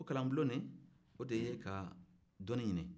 o kalan bulon in o de ye ka dɔnni ɲini